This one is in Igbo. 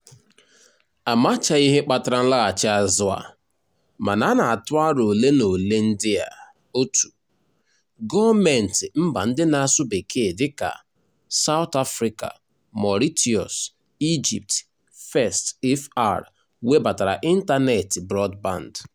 Amachaghị ihe kpatara nlaghachị azụ a, mana a na-atụ aro ole na ole ndị a: 1) gọọmentị mba ndị na-asụ bekee dịka (South Africa, Mauritius, Egypt) first (fr) webatara ịntaneetị brọdband.